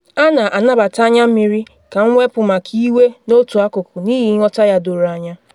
A na anabata anya mmiri ka mwepu maka iwe n'otu akụkụ n’ihi nghọta ya doro anya.